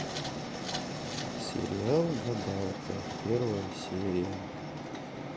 сериал гадалка первая серия